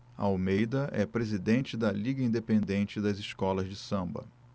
almeida é presidente da liga independente das escolas de samba